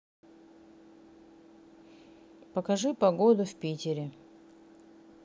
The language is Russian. покажи погоду в питере